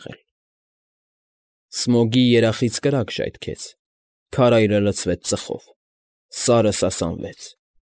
Եղել։ Սմոգի երախից կրակ ժայթքեց, քարայրը լցվեց ծխով, սարը սասանվեց։